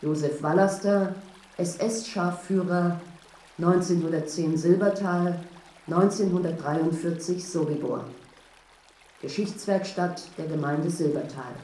Josef Vallaster, SS-Scharführer. 1910 Silbertal / 1943 Sobibor “– Geschichtswerkstatt der Gemeinde Silbertal